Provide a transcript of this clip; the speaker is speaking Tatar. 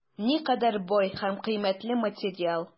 Никадәр бай һәм кыйммәтле материал!